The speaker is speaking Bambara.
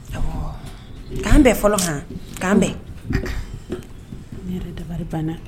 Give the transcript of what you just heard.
K'an bɛɛ fɔlɔ kan k'an bɛn yɛrɛ da banna